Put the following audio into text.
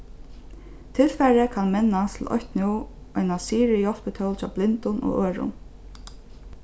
tilfarið kann mennast til eitt nú eina siri hjálpitól hjá blindum og øðrum